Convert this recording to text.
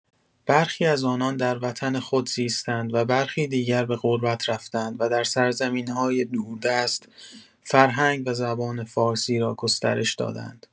برخی از آنان در وطن خود زیستند و برخی دیگر به غربت رفتند و در سرزمین‌های دوردست، فرهنگ و زبان فارسی را گسترش دادند.